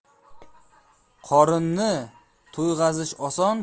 qorinni to'yg'azish oson